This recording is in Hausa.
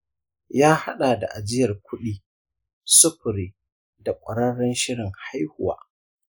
ya haɗa da ajiyar kuɗi, sufuri, da ƙwararren shirin haihuwa